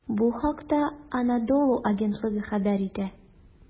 Бу хакта "Анадолу" агентлыгы хәбәр итә.